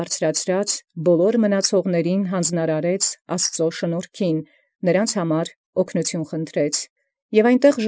Զամէն մնացեալսն յանձն առնէր շնորհացն Աստուծոյ, վասն նոցա աւգնականութիւն հայցէր։